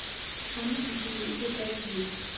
самые смешные видео про людей